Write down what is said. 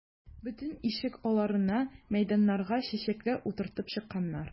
Бөтен ишек алларына, мәйданнарга чәчәкләр утыртып чыкканнар.